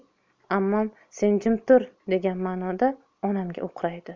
ammam sen jim tur degan manoda onamga o'qraydi